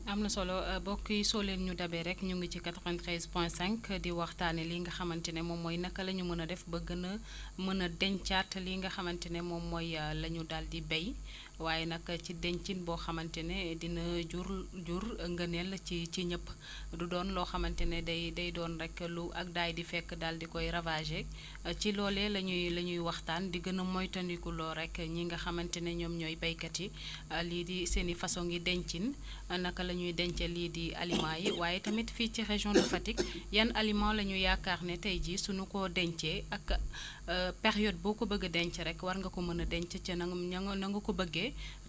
am na solo mbokk yi soo leen ñu dabee rek ñu ngi ci 93 point 5 di waxtaanee lii nga xamante ni moommooy naka la ñu mën a def ba gën a mën a dencaat lii nga xamante ni moom mooy la ñu daal di béy waaye nag ci dencin boo xamante ne dina jur jur ngëneel ci ci ñëpp du doon loo xamante ne day day doon rek lu ak daay di fekk daal di koy ravagé ci loolee la ñuy la ñuy waxtaan di gën a moytandikuloo rek ñi nga xamante ni ñoom ñooy béykat yi lii di seen i façon dencin naka la ñuy dencee lii di aliments yi waaye tamit fii ci région de Fatick yan aliments la ñu yaakaar ne tey jii sunu ko dencee ak période boo ko bëgg a denc rek war nga ko mën a denc ca nga ña nga na nga ko bëggee